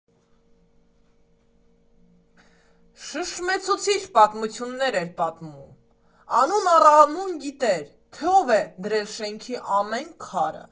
Շշմեցուցիչ պատմություններ էր պատմում՝ անուն առ անուն գիտեր, թե ով է դրել շենքի ամեն քարը։